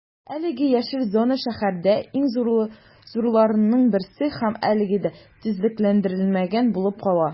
Әлеге яшел зона шәһәрдә иң зурларының берсе һәм әлегә дә төзекләндерелмәгән булып кала.